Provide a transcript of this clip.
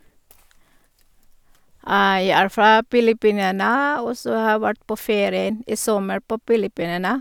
Jeg er fra Filippinene, og så har vært på ferien i sommer på Filippinene.